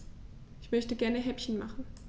Ich möchte gerne Häppchen machen.